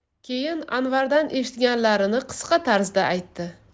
keyin anvardan eshitganlarini qisqa tarzda aytdi